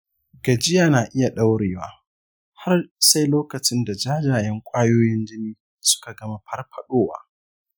gajiya na iya ɗorewa har sai lokacin da jajayen ƙwayoyin jini suka gama farfaɗowa.